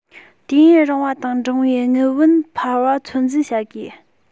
དུས ཡུན རིང བ དང འབྲིང བའི དངུལ བུན འཕར བ ཚོད འཛིན བྱ དགོས